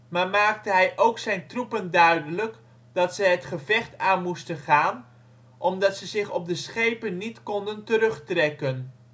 maar maakte ook zijn troepen duidelijk dat ze het gevecht aan moesten gaan omdat ze zich op de schepen niet konden terugtrekken